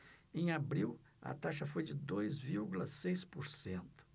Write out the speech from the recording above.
em abril a taxa foi de dois vírgula seis por cento